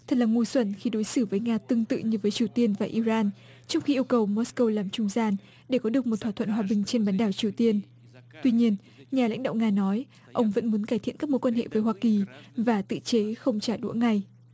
thật là ngu xuẩn khi đối xử với nga tương tự như với triều tiên và i ran trước khi yêu cầu mác câu làm trung gian để có được một thỏa thuận hòa bình trên bán đảo triều tiên tuy nhiên nhà lãnh đạo nga nói ông vẫn muốn cải thiện các mối quan hệ với hoa kỳ và tự chế không trả đũa ngay